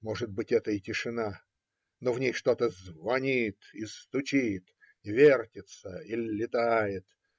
Может быть, это и тишина, но в ней что-то звонит и стучит, вертится и летает.